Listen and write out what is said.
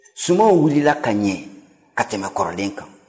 sumanw wulila ka ɲɛ ka tɛmɛ kɔrɔlen kan